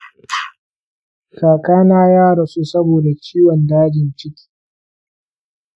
kakana ya rasu saboda ciwon dajin ciki